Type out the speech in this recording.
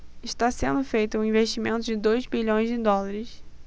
está sendo feito um investimento de dois bilhões de dólares